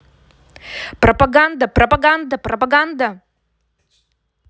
пропаганда пропаганда пропаганда